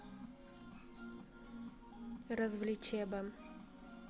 развлечеба